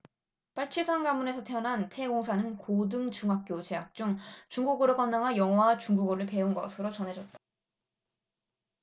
빨치산 가문에서 태어난 태 공사는 고등중학교 재학 중 중국으로 건너가 영어와 중국어를 배운 것으로 전해졌다